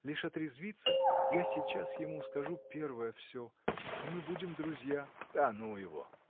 Лишь отрезвится, я сейчас ему скажу первая всё — и мы будем друзья. — Да ну его!